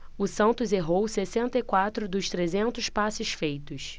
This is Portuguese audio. o santos errou sessenta e quatro dos trezentos passes feitos